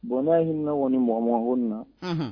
Bon n'a ɲinina ni mɔgɔma h na